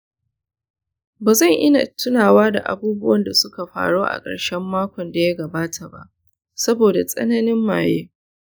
ba zan iya tunawa da abubuwan da suka faru a ƙarshen makon da ya gabata ba saboda tsananin maye.